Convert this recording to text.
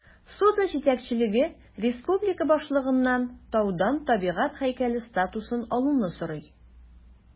Сода җитәкчелеге республика башлыгыннан таудан табигать һәйкәле статусын алуны сорый.